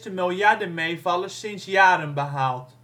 miljardenmeevallers sinds jaren behaald